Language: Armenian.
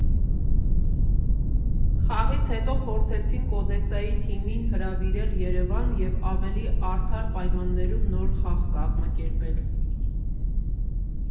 Խաղից հետո փորձեցինք Օդեսայի թիմին հրավիրել Երևան և ավելի արդար պայմաններում նոր խաղ կազմակերպել։